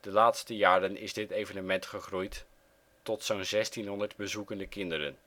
laatste jaren is dit evenement gegroeid tot zo 'n 1.600 kinderen